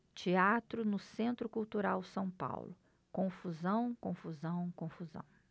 teatro no centro cultural são paulo confusão confusão confusão